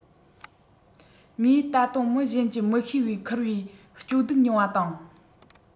མོས ད དུང མི གཞན གྱིས མི ཤེས པའི འཁུར བའི སྐྱོ སྡུག མྱོང བ དང